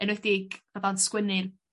enwedig bydda'n sgwenni'r